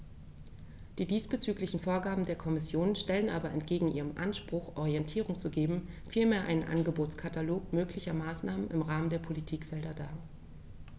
Die diesbezüglichen Vorgaben der Kommission stellen aber entgegen ihrem Anspruch, Orientierung zu geben, vielmehr einen Angebotskatalog möglicher Maßnahmen im Rahmen der Politikfelder dar.